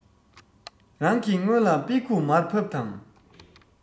རང གི སྔོན ལ དཔེ ཁུག མར ཕབ དང